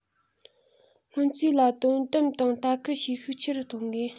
སྔོན རྩིས ལ དོ དམ དང ལྟ སྐུལ བྱེད ཤུགས ཆེ རུ གཏོང དགོས